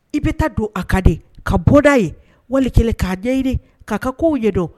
I bɛ taa don a ka di ka bɔda ye wali k'a diyayi k'a ka kow ye don